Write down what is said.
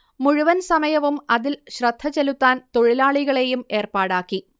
മുഴുവൻ സമയവും അതിൽ ശ്രദ്ധചെലുത്താൻ തൊഴിലാളികളെയും ഏർപ്പാടാക്കി